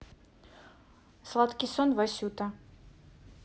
сладкий сон васюта